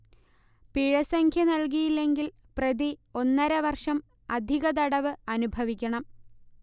പിഴസംഖ്യ നൽകിയില്ലെങ്കിൽ പ്രതി ഒന്നരവർഷം അധിക തടവ് അനുഭവിക്കണം